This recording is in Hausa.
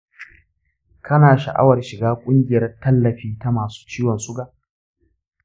kana sha’awar shiga ƙungiyar tallafi ta masu ciwon suga?